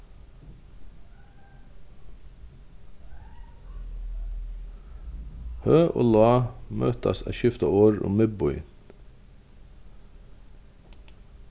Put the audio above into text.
høg og lág møtast at skifta orð um miðbýin